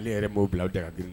Ale yɛrɛ b'w bila aw da kabi